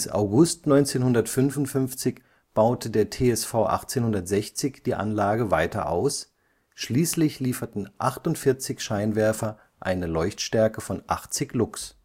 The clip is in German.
August 1955 baute der TSV 1860 die Anlage weiter aus, schließlich lieferten 48 Scheinwerfer eine Leuchtstärke von 80 Lux